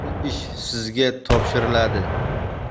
bu ish sizga topshiriladi